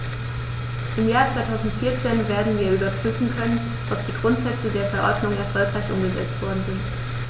Im Jahr 2014 werden wir überprüfen können, ob die Grundsätze der Verordnung erfolgreich umgesetzt worden sind.